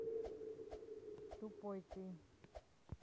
тупой ты